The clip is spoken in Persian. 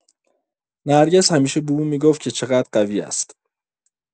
نرگس همیشه به او می‌گفت که چقدر قوی است.